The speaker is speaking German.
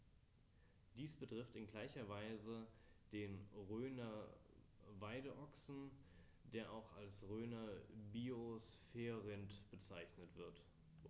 Dies betrifft in gleicher Weise den Rhöner Weideochsen, der auch als Rhöner Biosphärenrind bezeichnet wird.